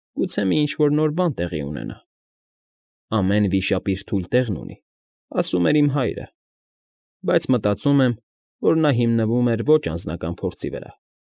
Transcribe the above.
Գուցե մի ինչ֊որ նոր բան տեղի ունենա։ «Ամեն վիշապ իր թույլ տեղն ունի»,֊ ասում էր իմ հայրը, բայց մտածում եմ, որ նա հիմնվում էր ոչ անձնական փորձի վրա։